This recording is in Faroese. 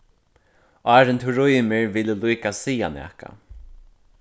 áðrenn tú rýmir vil eg líka siga nakað